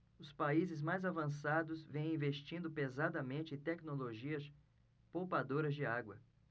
os países mais avançados vêm investindo pesadamente em tecnologias poupadoras de água